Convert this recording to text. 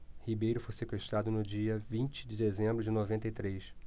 ribeiro foi sequestrado no dia vinte de dezembro de noventa e três